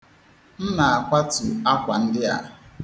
M na-akwatu akwa ndị a.